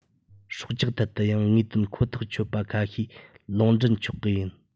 སྲོག ཆགས ཐད དུ ཡང དངོས དོན ཁོ ཐག ཆོད པ ཁ ཤས ལུང འདྲེན ཆོག གི ཡིན